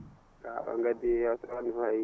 a on ngaddii yeewtere wa?nde fayida